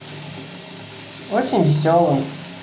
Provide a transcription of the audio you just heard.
очень веселым